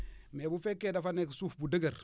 mais bu fekkee dafa nekk suuf bu dëgër